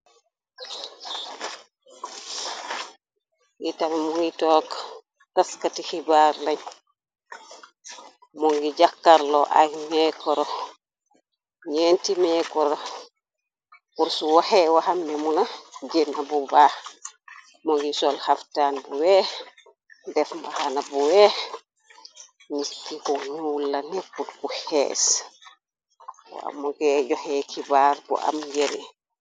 Kitam mu ngi took taskati xibaar lañ moo ngi jax karlo ak meekoro ñyeenti meekorkoro pur su woxe waxamne muna jenna bu baax moo ngi sol xaftaan bu weex def maxana bu weex nistiko ñuwul la lepput bu xees wa moge joxe xibaar bu am njëre.